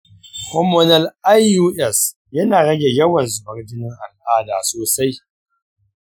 hormonal ius yana rage yawan zubar jinin al’ada sosai.